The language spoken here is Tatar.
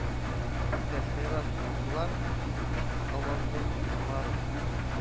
Син дә сайрарсың матурлап, мин авазың тыңларым